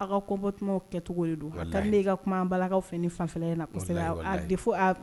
A ka kɔnportemaw kɛ cogo de do a ka di ne ye i ka kuma an balakaw fɛ nin fanfɛla in na kosɛbɛ a defo